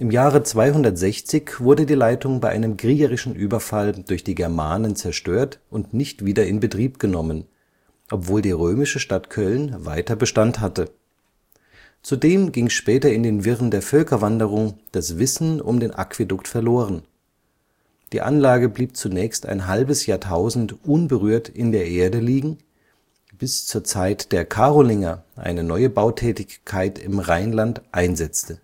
Jahre 260 wurde die Leitung bei einem kriegerischen Überfall durch die Germanen zerstört und nicht wieder in Betrieb genommen, obwohl die römische Stadt Köln weiter Bestand hatte. Zudem ging später in den Wirren der Völkerwanderung das Wissen um den Aquädukt verloren. Die Anlage blieb zunächst ein halbes Jahrtausend unberührt in der Erde liegen, bis zur Zeit der Karolinger eine neue Bautätigkeit im Rheinland einsetzte